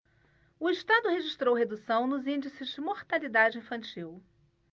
o estado registrou redução nos índices de mortalidade infantil